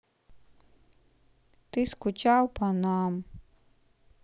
ты скучал по нам